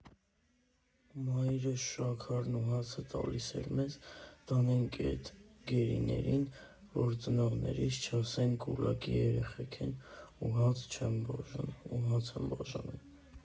Մայրս շաքարն ու հացը տալիս էր մեզ՝ տանենք էդ գերիներին, որ ծնողներիս չասեն՝ կուլակի երեխեք են ու հաց են բաժանում…